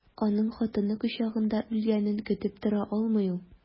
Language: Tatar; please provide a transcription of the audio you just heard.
Аның хатыны кочагында үлгәнен көтеп тора алмый ул.